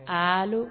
Aa